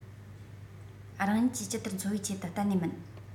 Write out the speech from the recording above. རང ཉིད ཀྱི ཇི ལྟར འཚོ བའི ཆེད དུ གཏན ནས མིན